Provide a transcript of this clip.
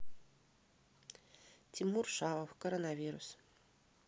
тимур шаов коронавирус